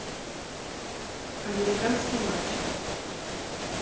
американский мальчик